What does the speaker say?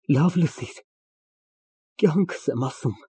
Լավ լսիր, կյանքս եմ ասում։